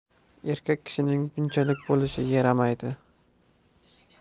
erkak kishining bunchalik bo'lishi yaramaydi